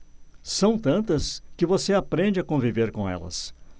são tantas que você aprende a conviver com elas